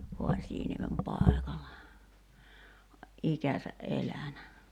Haasianniemen paikalla ikänsä elänyt